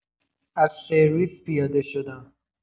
از سرویس پیاده شدم